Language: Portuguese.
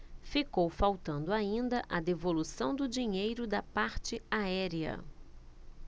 ficou faltando ainda a devolução do dinheiro da parte aérea